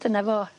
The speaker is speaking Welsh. dyna fo.